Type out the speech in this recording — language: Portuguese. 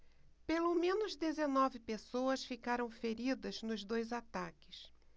pelo menos dezenove pessoas ficaram feridas nos dois ataques